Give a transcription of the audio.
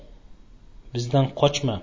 bizdan qochma